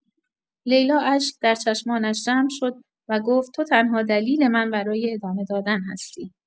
لیلا اشک در چشمانش جمع شد و گفت: «تو تنها دلیل من برای ادامه دادن هستی.»